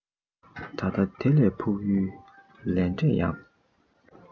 ད ལྟ དེ ལས ཕུགས ཡུལ ལས འབྲས ཡང